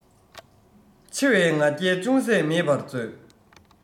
ཆེ བའི ང རྒྱལ ཅུང ཟད མེད པར མཛོད